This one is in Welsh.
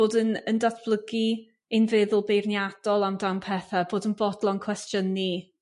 bod yn yn datblygu ein feddwl beirniadol amdan pethe bod yn bodlon cwestiynu